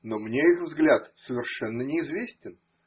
Но мне их взгляд совершенно неизвестен.